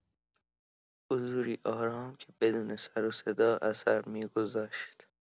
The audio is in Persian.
حضوری آرام که بدون سروصدا اثر می‌گذاشت.